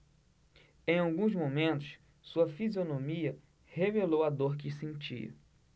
em alguns momentos sua fisionomia revelou a dor que sentia